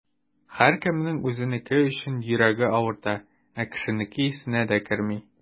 Һәркемнең үзенеке өчен йөрәге авырта, ә кешенеке исенә дә керми.